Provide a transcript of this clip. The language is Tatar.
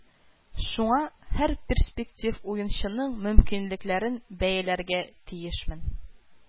Шуңа, һәр перспектив уенчының мөмкинлекләрен бәяләргә тиешмен